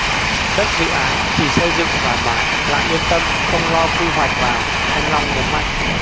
đất dự án thì xây dựng thoải mái lại yên tâm không lo quy hoạch vào anh long nhấn mạnh